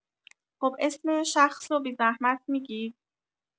خب اسم شخص بی‌زحمت می‌گید